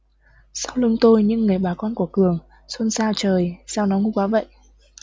sau lưng tôi những người bà con của cường xôn xao trời sao nó ngu quá vậy